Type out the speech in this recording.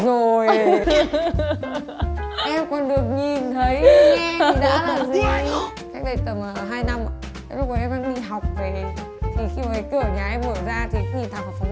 rồi em còn được nhìn thấy nghe thì đã là gì cách đây tầm hai năm ạ lúc đấy em đang đi học về thì khi mà cái cửa nhà em mở ra thì nhìn thẳng